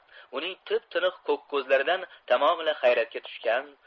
uning tip tiniq ko'k ko'zlaridan tamomila hayratga tushgan